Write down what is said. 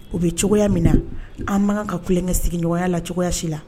O bi cogoya min na. An ma kan ka kulon kɛ sigi nɔgɔya la cogoya si la.